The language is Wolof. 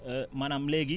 maanaam léegi